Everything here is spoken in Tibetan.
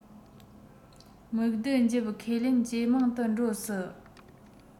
སྨུག རྡུལ འཇིབ ཁས ལེན ཇེ མང དུ འགྲོ སྲིད